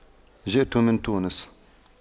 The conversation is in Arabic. جئت من تونس